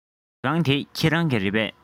ཉལ ཁང འདི ཁྱེད རང གི རེད པས